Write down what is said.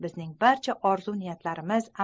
bizning barcha orzu niyatlarimiz